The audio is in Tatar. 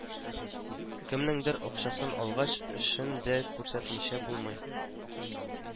Кемнеңдер акчасын алгач, эшен дә күрсәтмичә булмый